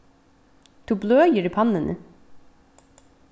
tú bløðir í pannuni